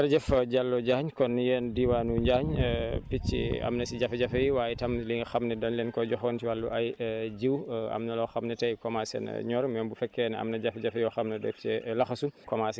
jërëjëf Diallo Diagne kon yéen diwaanu Njaañ picc am na si jafe-jafe yi waaye tamit li nga xam ne dañ leen koy joxoon ci wàllu ay jiw am na loo xam ne tey commencé na ñor même bu fekkee ne am na jafe-jafe yoo xam ne daf see laxasu